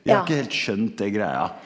jeg har ikke helt skjønt det greia.